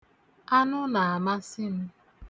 Anụ na-amasị m.